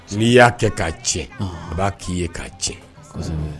N'i y'a kɛ k'a tiɲɛ, anhan, i b'a k'i ye k'a tiɲɛ, kosɛbɛ.